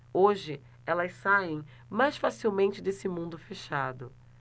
hoje elas saem mais facilmente desse mundo fechado